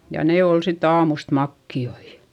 ja ne oli sitten aamusta makeita